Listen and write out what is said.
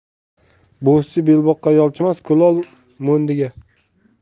bo'zchi belboqqa yolchimas kulol mo'ndiga